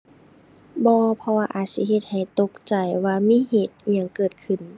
บ่ เพราะว่าอาจสิเฮ็ดให้ตกใจว่ามีเหตุอิหยังเกิดขึ้น